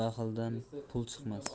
baxildan pul chiqmas